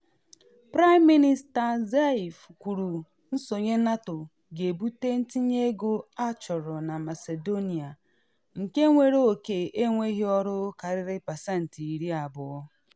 Praịm Minista Zaev kwuru nsonye NATO ga-ebute ntinye ego achọrọ na Macedonia, nke nwere oke enweghị ọrụ karịrị pasentị 20.